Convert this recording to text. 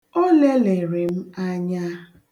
O lelịrị m anya.